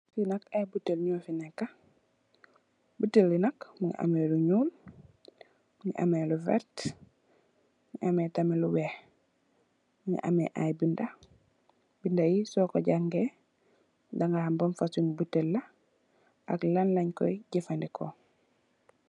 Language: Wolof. Fi nak ay botale nyu fi neka botale bi nak mongi ame lu nul mongi ame lu vertax mongi ame tamit lu weex mongi ame ay binda bindai soko jangeh daga xam li ban fosongi botale la ak lan len koi jefendeko.